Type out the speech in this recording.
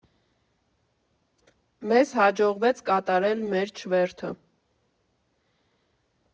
Մեզ հաջողվեց կատարել մեր չվերթը։